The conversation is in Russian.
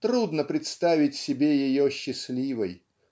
трудно представить себе ее счастливой